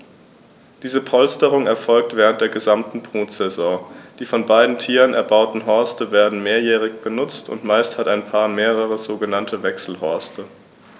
Diese Polsterung erfolgt während der gesamten Brutsaison. Die von beiden Tieren erbauten Horste werden mehrjährig benutzt, und meist hat ein Paar mehrere sogenannte Wechselhorste.